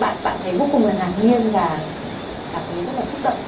bạn bạn thấy vô cùng là ngạc nhiên và cảm thấy rất là xúc động